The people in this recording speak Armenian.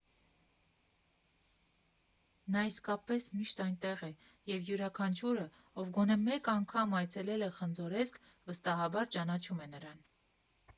Նա իսկապես միշտ այնտեղ է և յուրաքանչյուրը, ով գոնե մեկ անգամ այցելել է Խնձորեսկ, վստահաբար ճանաչում է նրան։